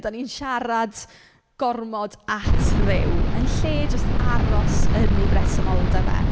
Dan ni'n siarad gormod at Dduw, yn lle jyst aros yn ei bresenoldeb e.